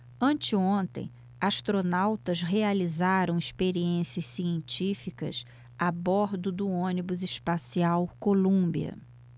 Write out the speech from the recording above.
anteontem astronautas realizaram experiências científicas a bordo do ônibus espacial columbia